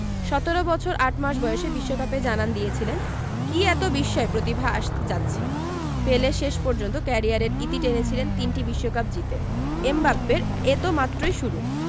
১৭ বছর ৮ মাস বয়সে বিশ্বকাপে জানান দিয়েছিলেন কী এত বিস্ময় প্রতিভা আসতে যাচ্ছে পেলে শেষ পর্যন্ত ক্যারিয়ারের ইতি টেনেছিলেন তিনটি বিশ্বকাপ জিতে এমবাপ্পের এ তো মাত্রই শুরু